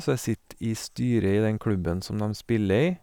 Så jeg sitter i styret i den klubben som dem spiller i.